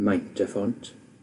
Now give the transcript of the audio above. maint y ffont,